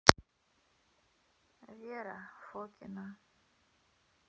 вера фокина